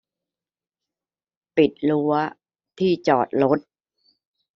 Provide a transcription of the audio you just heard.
ปิดรั้วที่จอดรถ